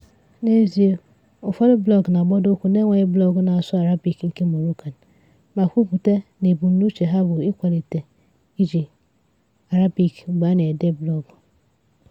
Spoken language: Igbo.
N'ezie, ụfọdụ blọọgụ na-agbado ụkwụ n'enweghị blọọgụ na-asụ Arabic nke Moroccan ma kwupụta na ebumnuche ha bụ ịkwalite iji Arabic mgbe a na-ede blọọgụ.